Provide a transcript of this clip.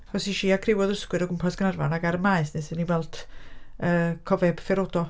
Achos es i â criw o ddysgwyr o gwmpas Gaernarfon ac ar y Maes wnaethon ni weld yy cofeb Ferodo.